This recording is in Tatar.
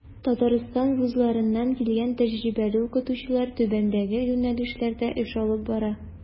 Татарстан вузларыннан килгән тәҗрибәле укытучылар түбәндәге юнәлешләрдә эш алып бара.